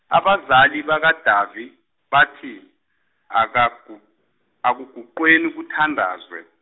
abazali bakaDavi, bathi, akaguq- akuguqweni, kuthandazwe.